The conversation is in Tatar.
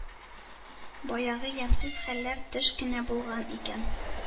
Баягы ямьсез хәлләр төш кенә булган икән.